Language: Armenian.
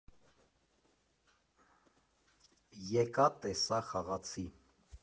ԵԿԱ ՏԵՍԱ ԽԱՂԱՑԻ։